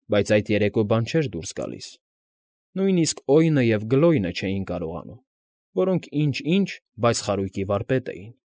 Բայց այդ երեկո բան չէր դուրս գալիս, նույնիսկ Օյնը և Գլոյնը չէին կարողանում, որոնք ինչ֊ինչ, բայց խարույկի վարպետ էին։